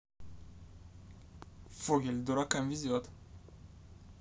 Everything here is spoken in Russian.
фогель дуракам везет